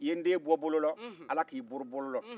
i n den bɔ bolola ala k'i bɔ bolola